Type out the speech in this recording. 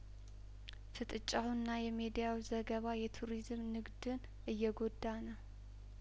ፍጥጫውና የሚዲያው ዘገባ የቱሪዝም ንግድን እየጐዳ ነው